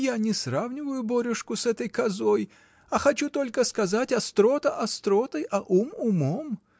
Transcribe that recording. Я не сравниваю Борюшку с этой козой, а хочу только сказать — острота остротой, а ум умом!